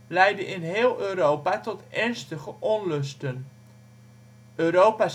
leidde in heel Europa tot ernstige onlusten. Europa